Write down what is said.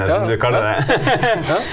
ja ja ja ja.